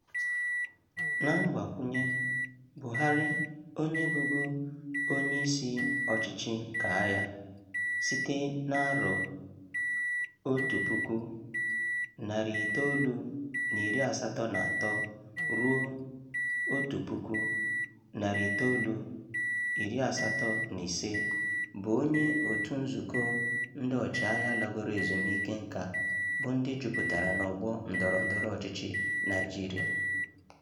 Na mgbakwụnye, Buhari onye bụbu onyeisi ọchịchị keagha (1983-1985) bụ onye òtù nzukọ ndị ọchịagha lagoro ezumike nka bụ ndị jupụtara n'ọgbọ ndọrọ ndọrọ ọchịchị Naịjirịa.